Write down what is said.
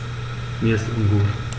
Mir ist ungut.